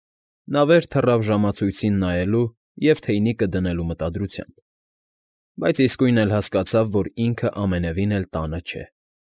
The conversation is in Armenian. Նա վեր թռավ ժամացույցին նայելու և թեյնիկը դնելու մտադրությամբ… Բայց իսկույն էլ հասկացավ, որ ինքը ամենեևին էլ տանը չէ։